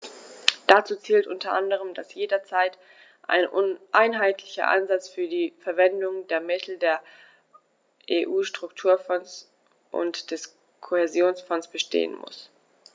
Dazu zählt u. a., dass jederzeit ein einheitlicher Ansatz für die Verwendung der Mittel der EU-Strukturfonds und des Kohäsionsfonds bestehen muss.